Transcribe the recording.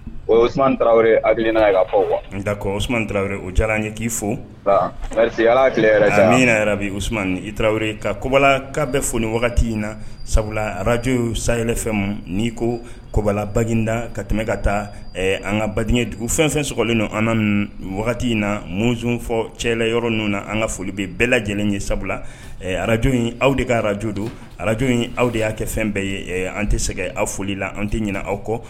O a oumana tarawele o diyara an ye k'i fo ara ala min na yɛrɛsumana i tarawelere ka kobala ka bɛ fɔoni wagati in na sabula ararajo say fɛnmu n' ko kobalabagginda ka tɛmɛ ka taa an ka bajɛ dugu fɛn fɛn slen don an wagati in na minnu fɔ cɛ yɔrɔ ninnu na an ka foli bɛ bɛɛ lajɛlen ye sabula ɛ araj aw de ka arajo don araj in aw de y'a kɛ fɛn bɛɛ ye an tɛ sɛgɛn aw foli la an tɛ ɲin aw kɔ